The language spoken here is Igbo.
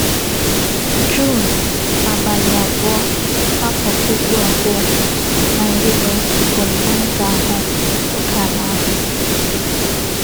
Juun 2nd 2011 bụ mbụ m ga-ahụ okeala ahụ.